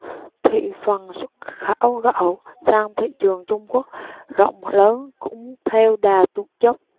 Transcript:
thị phần xuất khẩu gạo sang thị trường trung quốc rộng lớn cũng theo đà tuột dốc